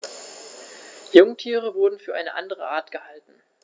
Jungtiere wurden für eine andere Art gehalten.